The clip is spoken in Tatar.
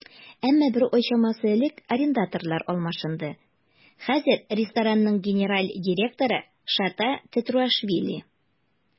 Әмма бер ай чамасы элек арендаторлар алмашынды, хәзер ресторанның генераль директоры Шота Тетруашвили.